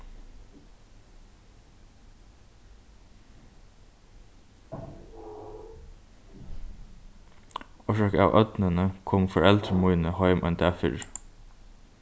orsakað av ódnini komu foreldur míni heim ein dag fyrr